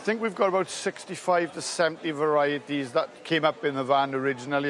I think we've got about sixty five to seventy varieties that came up in the van originally.